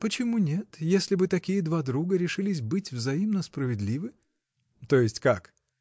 — Почему нет, если бы такие два друга решились быть взаимно справедливы?. — То есть — как?